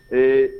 Ee